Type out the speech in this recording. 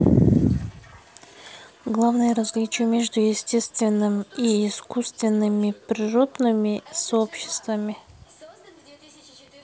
главное различие между естественными и искусственными природными сообществами